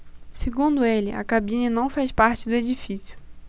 segundo ele a cabine não faz parte do edifício